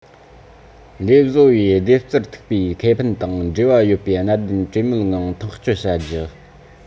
ལས བཟོ པའི བདེ རྩར ཐུག པའི ཁེ ཕན དང འབྲེལ བ ཡོད པའི གནད དོན གྲོས མོལ ངང ཐག གཅོད བྱ རྒྱུ